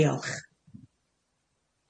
Diolch.